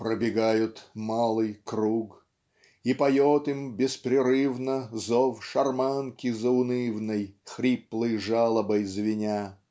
Пробегают малый крут И поет им беспрерывно Зов шарманки заунывной Хриплой жалобой звеня.